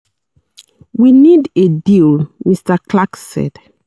"We need a deal," Mr Clark said.